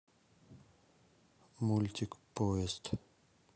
мультик поезд